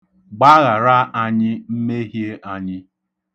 Gbaghara anyị mmehie anyị.